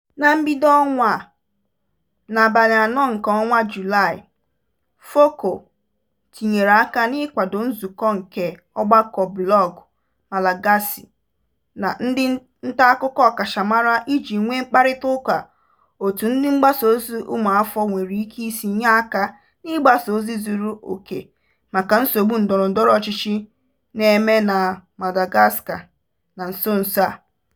Na mbido ọnwa a (na Julaị 4) FOKO tinyere aka n'ịkwado nzụkọ nke ọgbakọ blọọgụ Malagasy na ndị ntaakụkọ ọkachamara iji nwee mkparịtaụka otú ndị mgbasaozi ụmụafọ nwere ike si nye aka n'ịgbasa ozi zuru oke maka nsogbu ndọrọndọrọ ọchịchị na-eme na Madagascar na nso nso a.